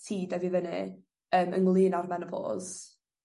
ti dyfu fyny yym ynglŷn â'r menopos?